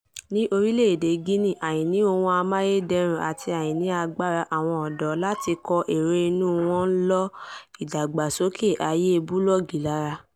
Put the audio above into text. Ní Orílẹ̀-èdè Guinea, àìní ohun amáyédẹrùn àti àìní agbára àwọn ọ̀dọ́ láti kọ èrò inú wọn ń lọ́ ìdàgbàsókè ààyè búlọ́ọ́gì lára.